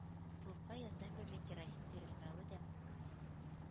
Клубка яздан бирле керосин бирелмәве дә,